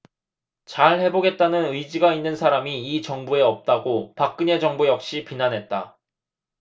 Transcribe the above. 잘해보겠다는 의지가 있는 사람이 이 정부에 없다고 박근혜 정부 역시 비난했다